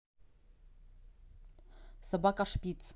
собака шпиц